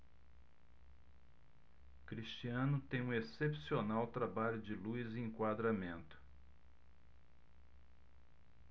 cristiano tem um excepcional trabalho de luz e enquadramento